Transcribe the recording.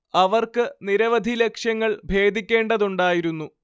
അവർക്ക് നിരവധി ലക്ഷ്യങ്ങൾ ഭേദിക്കേണ്ടതുണ്ടായിരുന്നു